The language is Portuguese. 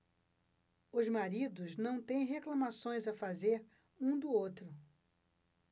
os maridos não têm reclamações a fazer um do outro